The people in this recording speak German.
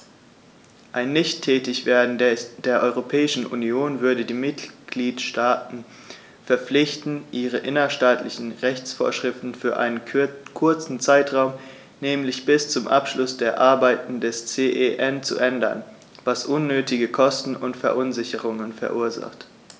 Ein Nichttätigwerden der Europäischen Union würde die Mitgliedstaten verpflichten, ihre innerstaatlichen Rechtsvorschriften für einen kurzen Zeitraum, nämlich bis zum Abschluss der Arbeiten des CEN, zu ändern, was unnötige Kosten und Verunsicherungen verursacht.